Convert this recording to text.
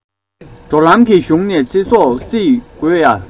འགྲོ ལམ གྱི གཞུང ནས ཚེ སྲོག བསྲིངས དགོས ཡ